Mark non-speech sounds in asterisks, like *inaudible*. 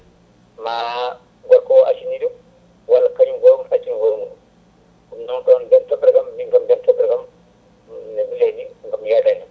ma gorko o wasa wiide woto kañum goto * ɗum noon nden toɓɓere kam min kam nden toɓɓere kam *hesitation* no witeni mi yadani hen